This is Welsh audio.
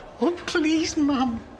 O, plîs, mam.